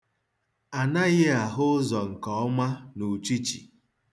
Anaghị m ahụ ụzọ nke ọma n'uchichi.